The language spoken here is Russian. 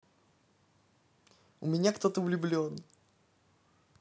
у меня кто то влюблен